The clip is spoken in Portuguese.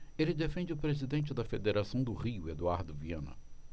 ele defende o presidente da federação do rio eduardo viana